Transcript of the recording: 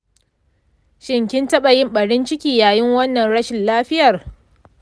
shin kin taɓa yin ɓarin ciki yayin wannan rashin lafiyar?